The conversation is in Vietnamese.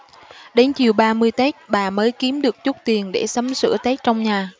đến chiều ba mươi tết bà mới kiếm được chút tiền để sắm sửa tết trong nhà